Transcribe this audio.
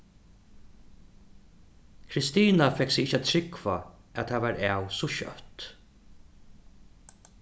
kristina fekk seg ikki at trúgva at tað var av so skjótt